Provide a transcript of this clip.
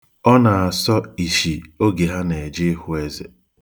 Ọ na-asọ isi oge ha na-eje ịhụ eze